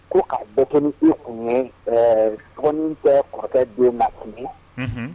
Ko k'a bɛk tun ye dɔgɔnin bɛ kɔrɔkɛ don la kun